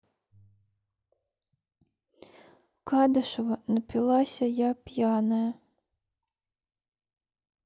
кадышева напилася я пьяная